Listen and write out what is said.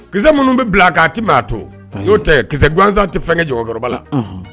Kisɛ minnu bɛ bila k'a ti m'a to y'o tɛ kisɛ gansan tɛ fɛn kɛ jɔyɔrɔkɔrɔba la